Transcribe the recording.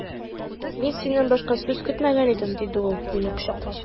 Мин синнән башка сүз көтмәгән идем, диде ул мине кочаклап.